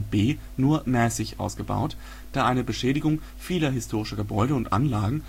B nur mäßig ausgebaut, da eine Beschädigung vieler historischer Gebäude und Anlagen